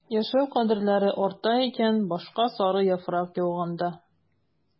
Яшәү кадерләре арта икән башка сары яфрак яуганда...